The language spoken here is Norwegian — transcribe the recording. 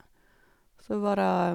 Så var det...